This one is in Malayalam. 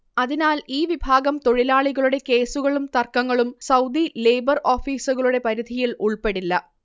അതിനാൽ ഈ വിഭാഗം തൊഴിലാളികളുടെ കേസുകളും തർക്കങ്ങളും സൗദി ലേബർ ഓഫീസുകളുടെ പരിധിയിൽ ഉൾപ്പെടില്ല